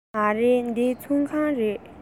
མ རེད འདི ཚོང ཁང རེད